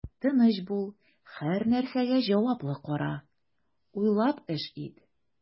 Тыныч бул, һәрнәрсәгә җаваплы кара, уйлап эш ит.